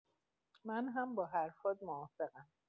من هم با حرفات موافقم.